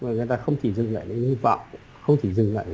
người người ta không chỉ dừng lại ở hy vọng không chỉ dừng lại ở